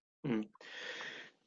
Hmm.